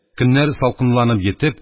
Көннәр салкынланып йитеп,